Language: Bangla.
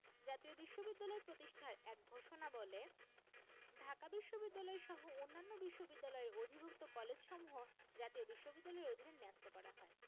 জাতীয় বিশ্ববিদ্যালয় প্রতিষ্ঠার এক ঘোষণাবলে ঢাকা বিশ্ববিদ্যালয়সহ অন্যান্য বিশ্ববিদ্যালয়ের অধিভুক্ত কলেজসমূহ জাতীয় বিশ্ববিদ্যালয়ের অধীনে ন্যস্ত করা হয়